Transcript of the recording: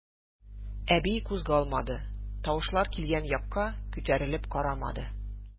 Әби кузгалмады, тавышлар килгән якка күтәрелеп карамады.